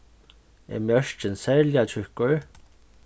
er mjørkin serliga tjúkkur